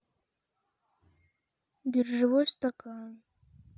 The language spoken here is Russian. биржевой стакан